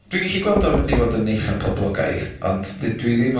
Dwi'n gellu gweld o'n fynd i fod yn eitha poblogaidd, ond d- dwi ddim yn